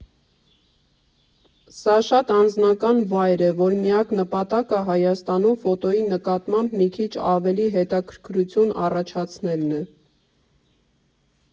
Սա շատ անձնական վայր է, որ միակ նպատակը Հայաստանում ֆոտոյի նկատմամբ մի քիչ ավելի հետաքրքրություն առաջացնելն է։